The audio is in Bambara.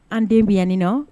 An den mini nɔ